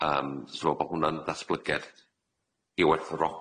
Yym so bo' hwnna'n ddatblygiad i werthfawrogi.